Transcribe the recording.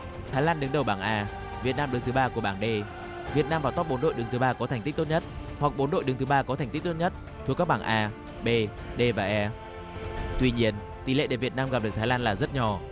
thái lan đứng đầu bảng a việt nam đứng thứ ba của bảng đê việt nam vào top bốn đội đứng thứ ba có thành tích tốt nhất hoặc bốn đội đứng thứ ba có thành tích tốt nhất thuộc các bảng a bê đê và e tuy nhiên tỷ lệ để việt nam gặp thái lan là rất nhỏ